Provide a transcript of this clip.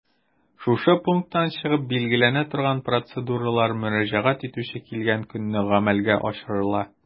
Шушы пункттан чыгып билгеләнә торган процедуралар мөрәҗәгать итүче килгән көнне гамәлгә ашырыла.